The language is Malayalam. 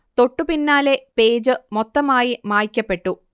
തൊട്ടു പിന്നാലെ പേജ് മൊത്തമായി മായ്ക്കപ്പെട്ടു